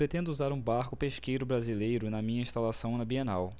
pretendo usar um barco pesqueiro brasileiro na minha instalação na bienal